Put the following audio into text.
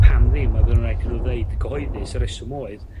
pam ddim a fydd yn raid iddyn nw ddeud yn cyhoeddus y reswm oedd